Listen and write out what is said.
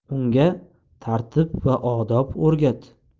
unga tartib va odob o'rgat